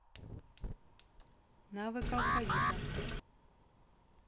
навык алфавита